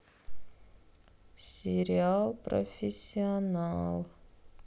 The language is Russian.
сериал профессионал